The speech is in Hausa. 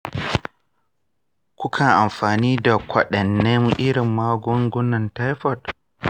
kun kan amfani da kwaɗanne irin magungunan thyroid?